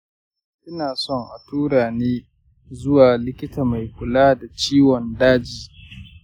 ina son a tura ni zuwa likita mai kula da ciwon daji .